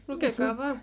lukekaa vain